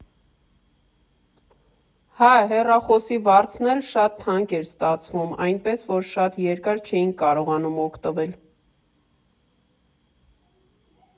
Հա, հեռախոսի վարձն էլ շատ թանկ էր ստացվում, այնպես որ շատ երկար չէինք կարողանում օգտվել։